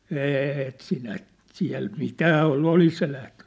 et sinä siellä mitään ollut olisi se lähtenyt